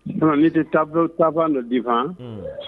Sinon n'i te ta blo taa fan dɔ difan unnh